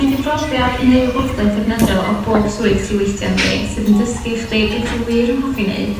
gei di brofiad neu wybodaeth ddefnyddiol o bob swydd ti weithio ynddi sydd yn dysgu chdi be' ti wir yn hoffi neud